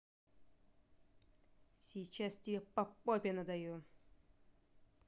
сейчас тебе по попе надаю